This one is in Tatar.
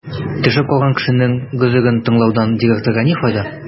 Төшеп калган кешенең гозерен тыңлаудан директорга ни файда?